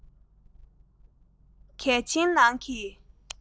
གལ ཆེན ནང གི